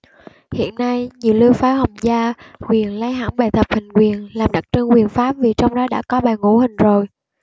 hiện nay nhiều lưu phái hồng gia quyền lấy hẳn bài thập hình quyền làm đặc trưng quyền pháp vì trong đó đã có bài ngũ hình rồi